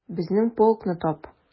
Безнең полкны тап...